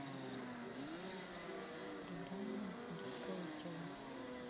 программа гибкое тело